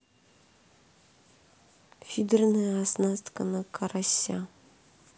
фидерная оснастка на карася